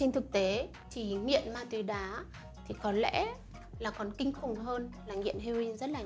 trên thực tế thì nghiện ma túy đá có lẽ còn kinh khủng hơn là nghiện heroin rất là nhiều